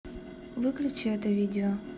выключи это видео